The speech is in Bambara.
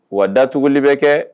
Wa datuguli bɛ kɛ